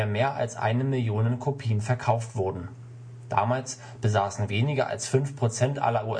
mehr als eine Millionen Kopien verkauft wurden. Damals besaßen weniger als fünf Prozent aller